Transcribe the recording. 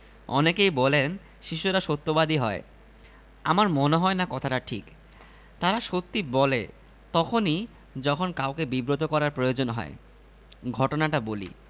শিশুরা বড়দের প্রতি আক্রোশ বসত কিছু কিছু পরিস্থিতির সৃষ্টি করে এর পেছনে শিশুসুলভ সার ফারন বলে কিছু নেই জনৈক ভদ্রমহিলা খুব দুঃখ করে একটা ঘটনা বললেন